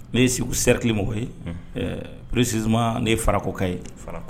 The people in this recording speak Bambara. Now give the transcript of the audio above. Ne ye Segu cercle mɔgɔ ye unhun ɛɛ précisement ne ye Farakɔ ka ye Farakɔ